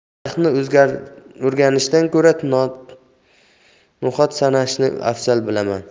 tarixni o'rganishdan ko'ra no'xat sanashni afzal bilaman